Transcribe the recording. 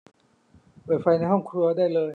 เปิดไฟในห้องครัวได้เลย